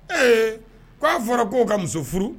Ee k''a fɔra k'o ka muso furu